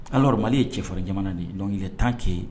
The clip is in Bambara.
Alors Mali ye cɛfarin jamana de ye donc il est temps que